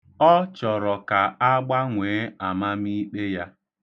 Ọ chọrọ ka a gbanwee amamiikpe ya.